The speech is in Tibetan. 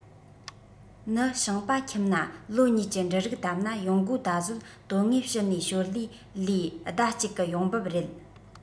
ནི ཞིང པ ཁྱིམ ན ལོ གཉིས ཀྱི འབྲུ རིགས བཏབ ན ཡོང སྒོ ད གཟོད དོན དངོས ཕྱི ནས ཞོར ལས ལས ཟླ གཅིག གི ཡོང འབབ རེད